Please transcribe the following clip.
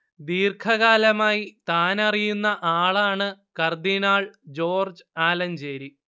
ദീർഘകാലമായി താൻ അറിയുന്ന ആളാണ് കർദിനാൾ ജോർജ്ജ് ആലഞ്ചേരി